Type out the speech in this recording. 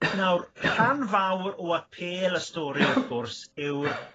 Nawr rhan fawr o apêl y stori wrth gwrs yw'r